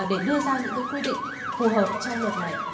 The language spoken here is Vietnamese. để đưa ra những quy định phù hợp trong luật này ạ